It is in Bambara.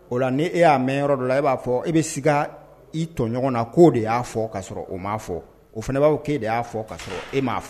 O la ni e y'a mɛn yɔrɔ dɔ la e b'a fɔ e bɛ sigi ka i tɔ ɲɔgɔn na koo de y'a fɔ ka sɔrɔ o m'a fɔ o fana bbaw kɛlene de y'a fɔ ka e m ma'a fɔ